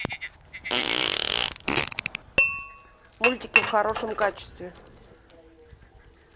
мультики в хорошем качестве